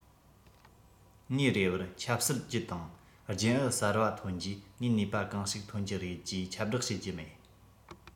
ངའི རེ བར ཆབ སྲིད ཅུད དང རྒྱུན ཨུད གསར པ ཐོན རྗེས ངས ནུས པ གང ཞིག ཐོན གྱི རེད ཅེས ཁྱབ བསྒྲགས བྱེད རྒྱུ མེད